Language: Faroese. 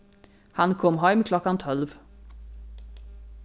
hann kom heim klokkan tólv